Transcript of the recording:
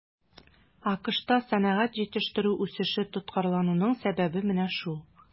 АКШта сәнәгать җитештерүе үсеше тоткарлануның сәбәбе менә шул.